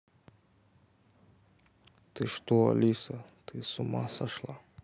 ты что алиса ты сумасашла